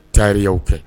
Tailleur yaw kɛ